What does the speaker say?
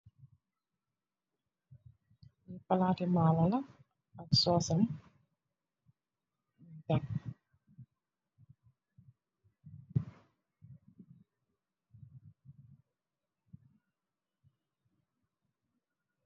Palat ti maló la ak soosam.